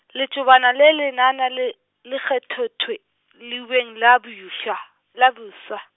letšobana le lenana le, le kgetho thwe, leubeng la bofša, la bofsa.